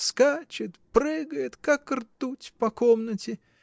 Скачет, прыгает, как ртуть, по комнате.